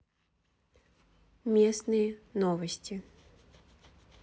местные новости